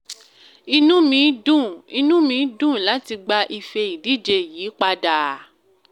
Inú mi dùn, inú mi dùn láti gba ife ìdíje yìí padà.